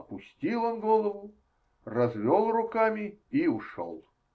Опустил он голову, развел руками и ушел.